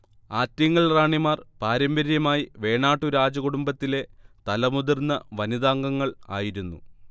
ആറ്റിങ്ങൽ റാണിമാർ പാരമ്പര്യമായി വേണാട്ടു രാജകുടുംബത്തിലെ തലമുതിർന്ന വനിതാംഗങ്ങൾ ആയിരുന്നു